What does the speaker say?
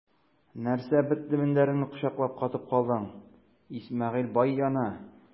Нәрсә бетле мендәреңне кочаклап катып калдың, Исмәгыйль бай яна!